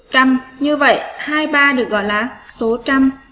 chăm như vậy được gọi là số chăm